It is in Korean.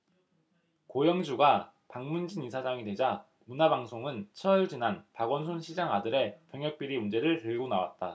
고영주가 방문진 이사장이 되자 문화방송은 철지난 박원순 시장 아들의 병역비리 문제를 들고나왔다